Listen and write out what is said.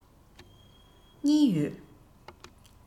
གཉིས ཡོད